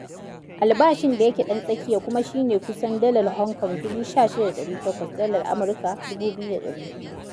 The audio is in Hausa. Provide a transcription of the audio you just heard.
Albashin da yake ɗan tsakiya kuma shi ne kusan HK$16,800 (Dalar Amurka 2,200).